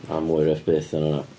A mwy rough byth yn hwnna.